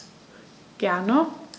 Gerne.